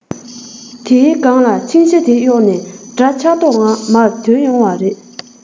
དེའི སྒང ལ ཕྱིང ཞྭ དེ གཡོག ནས འདྲ ཆགས མདོག ངང མར དོན ཡོང བ རེད